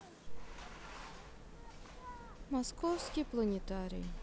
московский планетарий